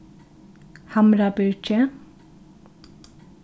hamrabyrgi